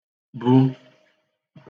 bu